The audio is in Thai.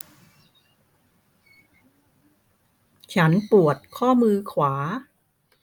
ฉันปวดข้อมือขวา